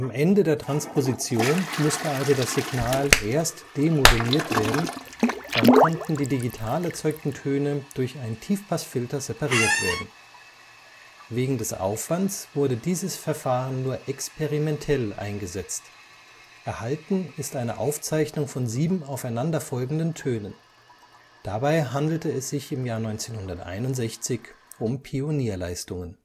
Ende der Transposition musste also das Signal erst demoduliert werden, dann konnten die digital erzeugten Töne durch ein Tiefpassfilter separiert werden. Wegen des Aufwands wurde dieses Verfahren nur experimentell eingesetzt, erhalten ist eine Aufzeichnung von sieben aufeinander folgenden Tönen. Dabei handelte es sich im Jahr 1961 um „ Pionierleistungen